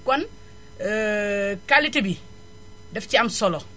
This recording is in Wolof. kon qualité bi daf ci am solo